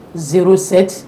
Ziuru sete